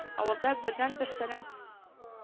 Авылда бердәнбер салам